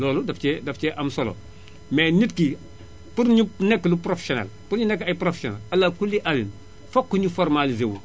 loolu daf cee daf cee am solo mais nit ki pour ñu nekk lu professionnel pour ñu nekk ay professionnels allah kulli allin fokk ñu formaliizewu